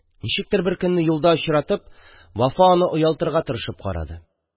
Ничектер беркөнне юлда очратып, Вафа аны оялтырга тырышып карады: